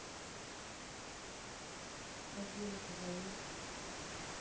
афина позови